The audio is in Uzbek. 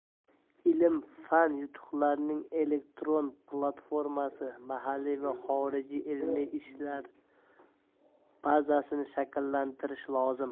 ilm fan yutuqlarining elektron platformasi mahalliy va xorijiy ilmiy ishlanmalar bazasini shakllantirish lozim